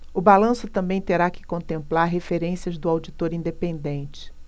o balanço também terá que contemplar referências do auditor independente